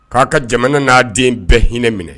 K'a ka jamana n'a den bɛɛ hinɛ minɛ